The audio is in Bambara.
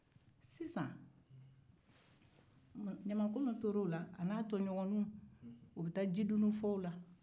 ɲamankolon tora o la a n'a tɔɲɔgɔnninw bɛ ta jidununfɔw la